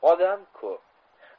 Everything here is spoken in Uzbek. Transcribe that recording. odam ko'p